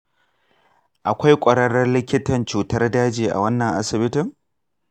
akwai ƙwararren likitan cutar daji a wannan asibitin?